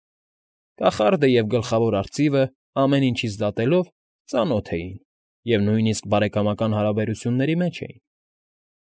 Կախարդը և գլխավոր արծիվը, ամեն ինչից դատելով, ծանոթ էին և նույնիսկ բարեկամական հարաբերությունների մեջ էին։